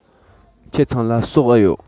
ཁྱེད ཚང ལ ཟོག འུ ཡོད